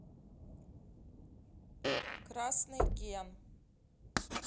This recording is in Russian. красный ген